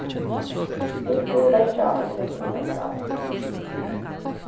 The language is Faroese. vilt tú leggja ein setning aftrat